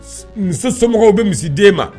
Misi somɔgɔw bɛ misi den ma